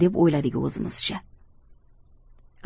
deb o'yladik o'zimizcha